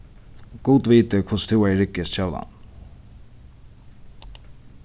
gud viti hvussu tú hevði riggað í hesum kjólanum